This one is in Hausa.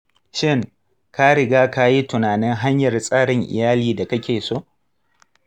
shin ka riga ka yi tunanin hanyar tsarin iyali da kake so?